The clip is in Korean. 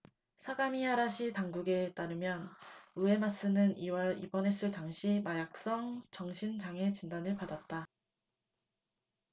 사가미하라시 당국에 따르면 우에마쓰는 이 월 입원했을 당시 마약성 정신장애진단을 받았다